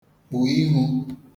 kpù ihū